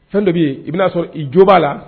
Fɛn dɔ b' yen i bɛna'a sɔrɔ i jo b'a la